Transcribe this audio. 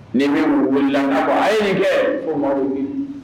N bɛ muruboli laga bɔ a ye nin kɛ fo ma